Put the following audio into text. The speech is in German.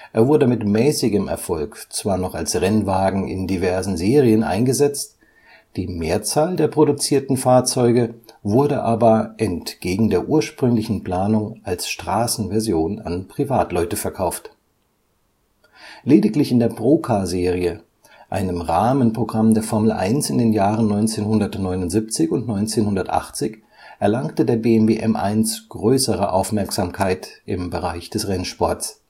Er wurde mit mäßigem Erfolg zwar noch als Rennwagen in diversen Serien eingesetzt, die Mehrzahl der produzierten Fahrzeuge wurde aber entgegen der ursprünglichen Planung als Straßenversion an Privatleute verkauft. Lediglich in der Procar-Serie, einem Rahmenprogramm der Formel 1 in den Jahren 1979 und 1980, erlangte der BMW M1 größere Aufmerksamkeit im Bereich des Rennsports